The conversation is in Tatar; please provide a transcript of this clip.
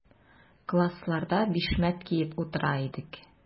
Классларда бишмәт киеп утыра идек.